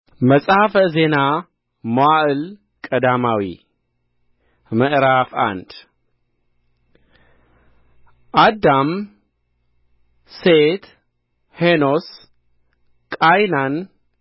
መጽሐፈ ዜና መዋዕል ቀዳማዊ ምዕራፍ አንድ አዳም ሴት ሄኖስ ቃይናን